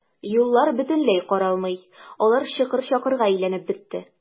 Юллар бөтенләй каралмый, алар чокыр-чакырга әйләнеп бетте.